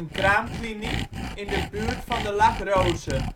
kraamkliniek) in de buurt van de Lac Rose